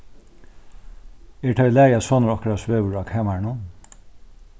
er tað í lagi at sonur okkara svevur á kamarinum